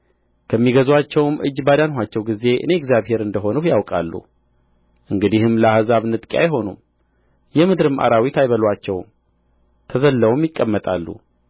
ከሚገዙአቸውም እጅ ባዳንኋቸው ጊዜ እኔ እግዚአብሔር እንደ ሆንሁ ያውቃሉ እንግዲህም ለአሕዛብ ንጥቂያ አይሆኑም የምድርም አራዊት አይበሉአቸውም ተዘልለውም ይቀመጣሉ